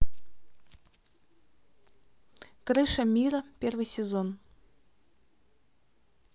крыша мира первый сезон